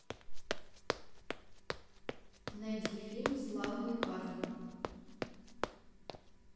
найди фильм славные парни